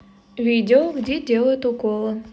видео где делают уколы